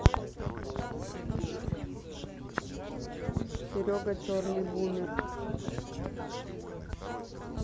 серега черный бумер